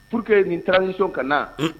Pur que nin taara ni nisɔn ka na